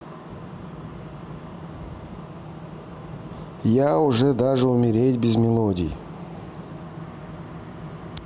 я уже даже умереть без мелодий